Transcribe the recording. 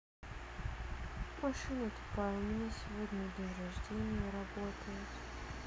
машина тупая у меня сегодня день рождения работает